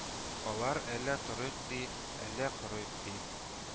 Алар әллә “торыйк” ди, әллә “корыйк” ди